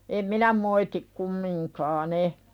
en minä moiti kumminkaan en